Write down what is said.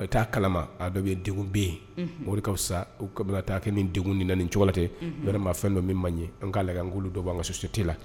A taa kalama a dɔ bɛyen, denkundi bɛ yen , unhun, o de ka fisa kɛ degun na tan nin cogo in na fɛn do min ma ɲan an k' olu dɔw bɔ an ka societé la